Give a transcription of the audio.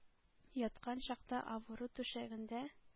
Яткан чакта авыру түшәгендә,